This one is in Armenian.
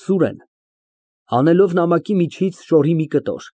ՍՈՒՐԵՆ ֊ (Հանելով նամակի միջից շորի մի կտոր)